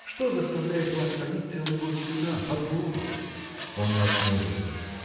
Что заставляет вас ходить целый год сюда, под гору? Он нахмурился.